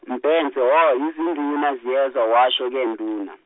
Mbhense, hho, izinduna ziyezwana, washo ke nduna.